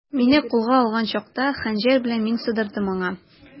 Мине кулга алган чакта, хәнҗәр белән мин сыдырдым аңа.